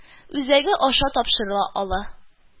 Үзәге аша тапшырыла ала